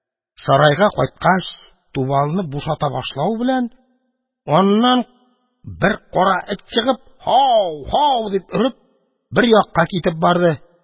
Сарайга кайткач, тубалны бушата башлау белән, аннан бер кара эт чыгып, «һау-һау» дип өреп, бер якка китеп барды.